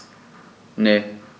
Ne.